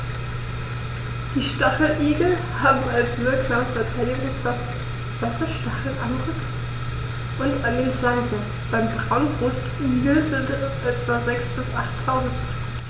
Die Stacheligel haben als wirksame Verteidigungswaffe Stacheln am Rücken und an den Flanken (beim Braunbrustigel sind es etwa sechs- bis achttausend).